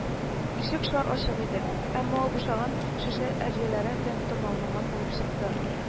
Ишек шар ачык иде, әмма ул бушаган шешә әрҗәләре белән томаланган булып чыкты